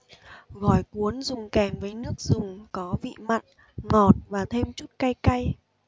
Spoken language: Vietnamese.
gỏi cuốn dùng kèm với nước dùng có vị mặn ngọt và thêm chút cay cay